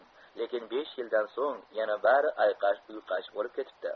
lekin besh yildan so'ng yana bari ayqash uyqash bo'lib ketibdi